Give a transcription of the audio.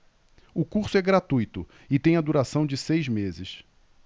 o curso é gratuito e tem a duração de seis meses